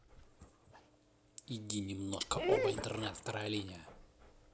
иди немножко оба интернет вторая линия